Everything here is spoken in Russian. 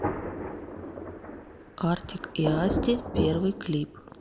артик и асти первый клип